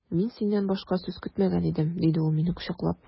Мин синнән башка сүз көтмәгән идем, диде ул мине кочаклап.